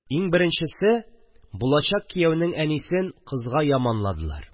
Иң беренчесе – булачак кияүнең әнисен кызга яманладылар